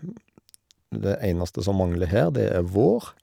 Det eneste som mangler her, det er vår.